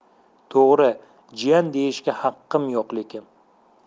to'g'ri jiyan deyishga haqqim yo'q lekin